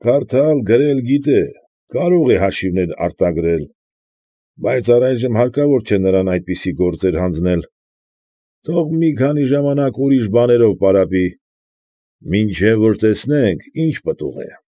Կարդալ֊ գրել գիտե, կարող է հաշիվներ արտագրել, բայց առայժմ հարկավոր չէ նրան այսպիսի գործեր հանձնել, թող մի քանի ժամանակ ուրիշ բաներով պարապի, մինչև որ տեսնենք ինչ պտուղ է։